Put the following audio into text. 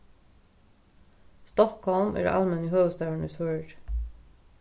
stockholm er almenni høvuðsstaðurin í svøríki